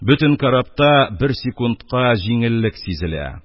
Бөтен карабта бер секундка җиңеллек сизелә